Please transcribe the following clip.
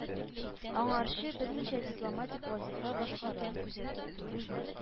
Аңарчы берничә дипломатик вазифа башкара